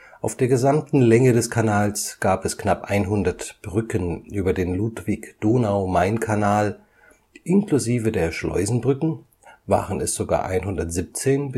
Auf der gesamten Länge des Kanals gab es knapp 100 Brücken über den Ludwig-Donau-Main-Kanal, inklusive der Schleusenbrücken waren es sogar 117